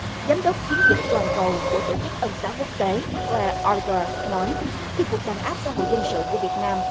giám đốc chiến dịch toàn cầu của tổ chức ân xá quốc tế cờ re o ra nói khi cuộc đàn áp xã hội dân sự của việt nam